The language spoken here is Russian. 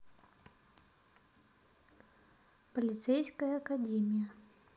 полицейская академия